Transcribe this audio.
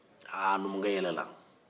aa numukɛ yɛlɛla